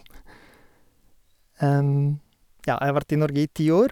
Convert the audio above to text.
Ja, jeg har vært i Norge i ti år.